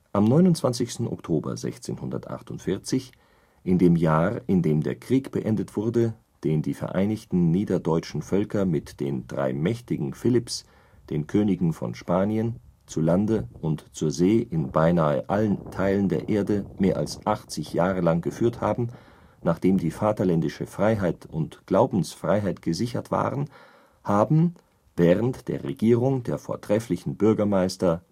Am 29. Oktober 1648, in dem Jahr, in dem der Krieg beendet wurde, den die vereinigten niederdeutschen Völker mit den drei mächtigen Philipps, den Königen von Spanien, zu Lande und zur See in beinahe allen Teilen der Erde mehr als 80 Jahre lang geführt haben, nachdem die vaterländische Freiheit und Glaubensfreiheit gesichert waren, haben während der Regierung der vortrefflichen Bürgermeister